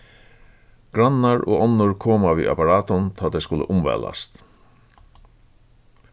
grannar og onnur koma við apparatum tá tey skulu umvælast